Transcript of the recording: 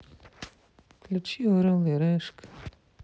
включи орел и решка